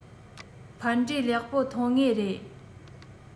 ཕན འབྲས ལེགས པོ ཐོན ངེས རེད